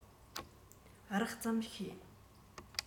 རགས ཙམ ཤེས